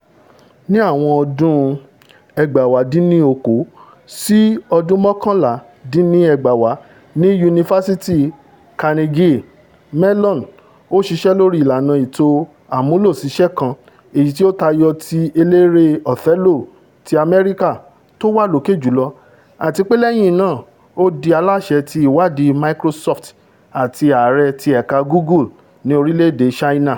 Ní àwọn ọdún 1980 sí 1989 ní Yunifásítì Carnegie Mellon ó ṣiṣẹ́ lórí ìlànà ètò àmúlòṣiṣẹ́ kan èyití ó tayọ ti elére Othelo ti Amẹ́ríkà tówà lókè jùlọ, àtipé lẹ́yìn náà ó di aláṣẹ ti Ìwáàdí Microsoft àti ààrẹ ti ẹ̀ka Google ní orílẹ̀-èdè Ṣáínà.